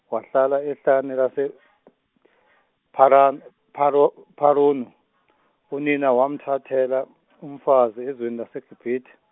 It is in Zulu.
wahlala ehlane lase- pharan- phara- Pharanu unina wamthathela umfazi ezweni laseGibithe.